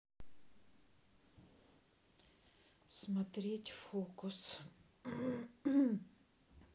смотреть фокус